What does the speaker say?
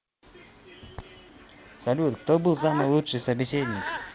салют кто был самый лучший собеседник